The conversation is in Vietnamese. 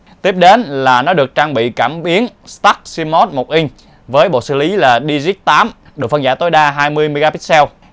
tiếp đến là nó được trang bị cảm biến stacked cmos với bộ xử lý digic độ phân giải tối đa megapixel